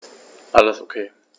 Alles OK.